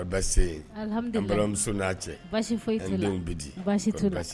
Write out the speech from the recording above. baasi tɛ yen? al hamidulillahi an balimamuso n'.a cɛ. Baasi tɛ yen, an denw du? Baasi tɛ yen